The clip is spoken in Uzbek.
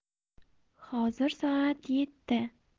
hozir soat yeti